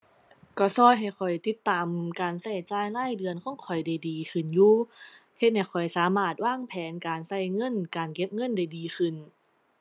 ก็ก็ให้ข้อยติดตามการก็จ่ายรายเดือนของข้อยได้ดีขึ้นอยู่ เฮ็ดให้ข้อยสามารถวางแผนการก็เงิน การเก็บเงินได้ดีขึ้น